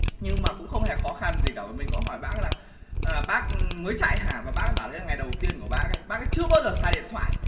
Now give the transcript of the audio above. nhưng mà cũng không hề khó khăn gì cả bởi vì mình có hỏi bác là bác mới chạy hả và bác là đấy là ngày đầu tiên của bác ấy bác ấy chưa bao giờ xài điện thoại